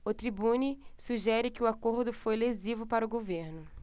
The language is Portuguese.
o tribune sugere que o acordo foi lesivo para o governo